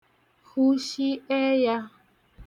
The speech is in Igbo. hụshi ẹyā